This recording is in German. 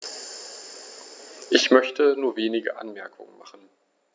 Ich möchte nur wenige Anmerkungen machen.